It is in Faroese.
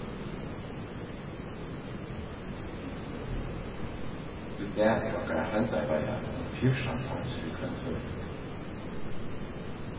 í dag er okkara heildarveiða um fjúrtan tons fyri hvønn føroying